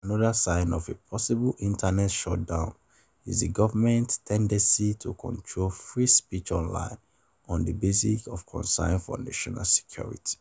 Another sign of a possible internet shut down is the government’s tendency to control free speech online on the basis of concerns for national security.